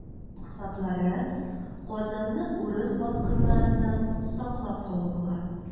Максатлары Казанны урыс баскыннарыннан саклап калу була.